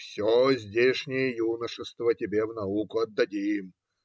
- Все здешнее юношество тебе в науку отдадим.